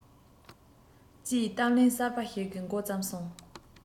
ཅེས གཏམ གླེང གསར པ ཞིག གི མགོ བརྩམས སོང